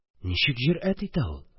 Ничек җөрьәт итә ул!